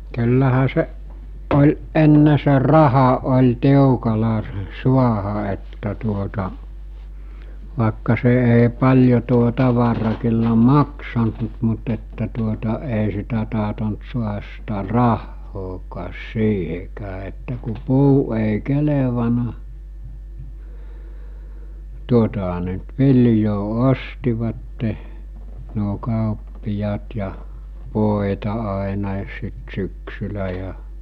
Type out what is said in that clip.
kyllähän se oli ennen se raha oli tiukalla se saada että tuota vaikka se ei paljon tuo tavara kyllä maksanut - mutta että tuota ei sitä tahtonut saada sitä rahaakaan siihenkään että kun puu ei kelvannut tuotahan ne nyt viljaa ostivat nuo kauppiaat ja voita aina sitten syksyllä ja